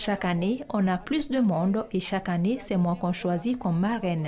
Chaque année qu’on a plus de monde et chaque année, c'est moi qu'on choisit comme marraine